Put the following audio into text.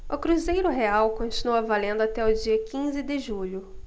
o cruzeiro real continua valendo até o dia quinze de julho